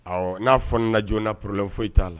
Ɔ n'a fɔ la joonana porollen foyi i t'a la